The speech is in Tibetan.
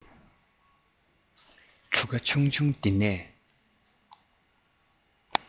གྲུ ག ཆུང ཆུང འདི ནས